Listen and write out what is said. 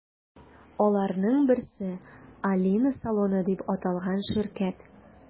Аларның берсе – “Алина салоны” дип аталган ширкәт.